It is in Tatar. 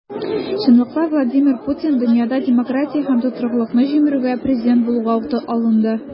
Чынлыкта Владимир Путин дөньяда демократия һәм тотрыклылыкны җимерүгә президент булуга ук алынды.